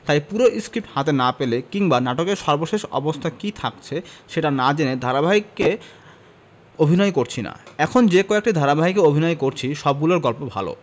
তাই পুরো স্ক্রিপ্ট হাতে না পেলে এবং নাটকের সর্বশেষ অবস্থা কী থাকছে সেটি না জেনে ধারাবাহিকে অভিনয় করছি না এখন যে কয়টি ধারাবাহিকে অভিনয় করছি সবগুলোর গল্প ভালো